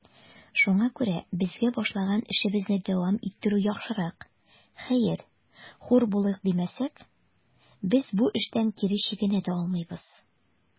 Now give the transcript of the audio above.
Шуңа күрә безгә башлаган эшебезне дәвам иттерү яхшырак; хәер, хур булыйк димәсәк, без бу эштән кире чигенә дә алмыйбыз.